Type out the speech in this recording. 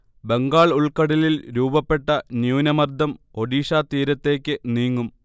ബംഗാൾ ഉൾക്കടലിൽ രൂപപ്പെട്ട ന്യൂനമർദം ഒഡിഷാതീരത്തേക്ക് നീങ്ങും